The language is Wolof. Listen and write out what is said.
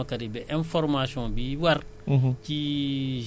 ak partenaires am United Purpose